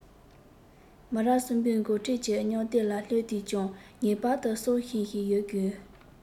མི རབས གསུམ པའི འགོ ཁྲིད ཀྱི མཉམ བསྡེབ ལ སླེབས དུས ཀྱང ངེས པར དུ སྲོག ཤིང ཞིག ཡོད དགོས